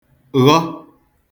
ghọ